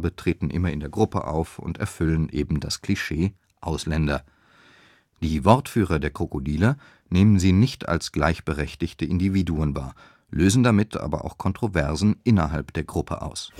treten immer in der Gruppe auf und erfüllen das Klischee „ Ausländer “durch ihre dunkle Haarfarbe. Die Wortführer der Krokodiler nehmen sie nicht als gleichberechtigte Individuen wahr, lösen damit aber auch Kontroversen innerhalb der Gruppe aus